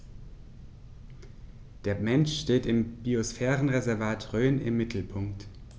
Der Mensch steht im Biosphärenreservat Rhön im Mittelpunkt.